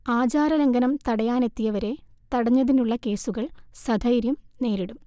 ആചാരലംഘനം തടയാനെത്തിയവരെ തടഞ്ഞതിനുള്ള കേസുകൾ സധൈര്യം നേരിടും